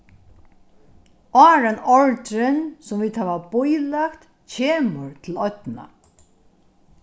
áðrenn ordrin sum vit hava bílagt kemur til oynna